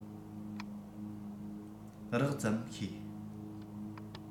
རགས ཙམ ཤེས